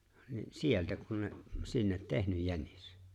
niin sieltä kun ne sinne tehnyt jänis